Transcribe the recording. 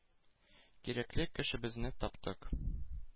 «кирәкле кешебезне таптык!» —